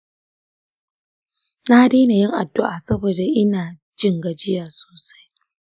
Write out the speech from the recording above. na daina yin addu’a saboda ina jin gajiya sosai.